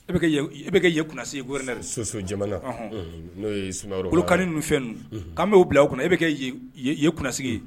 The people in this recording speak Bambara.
E e bɛ kɛ ye kunsigi g soso jamana n'okan ninnu fɛn' bɛ' bila u kɔnɔ e bɛ kɛ ye kunsigi ye